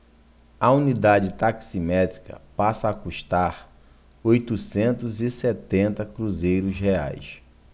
a unidade taximétrica passa a custar oitocentos e setenta cruzeiros reais